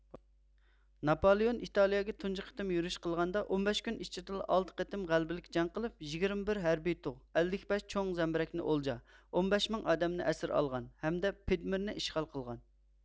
ناپالېئون ئىتالىيىگە تۇنجى قېتىم يۈرۈش قىلغاندا ئونبەش كۈن ئىچىدىلا ئالتە قېتىم غەلىبىلىك جەڭ قىلىپ يىگىرمە بىر ھەربىي تۇغ ئەللىك بەش چوڭ زەمبىرەكنى ئولجا ئون بەش مىڭ ئادەمنى ئەسىر ئالغان ھەمدە پىدمېرنى ئىشغال قىلغان